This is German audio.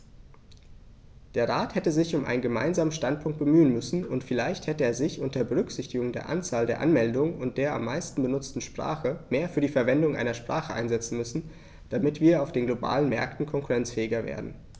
Der Rat hätte sich um einen gemeinsamen Standpunkt bemühen müssen, und vielleicht hätte er sich, unter Berücksichtigung der Anzahl der Anmeldungen und der am meisten benutzten Sprache, mehr für die Verwendung einer Sprache einsetzen müssen, damit wir auf den globalen Märkten konkurrenzfähiger werden.